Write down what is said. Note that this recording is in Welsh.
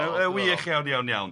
Yy wych iawn, iawn, iawn.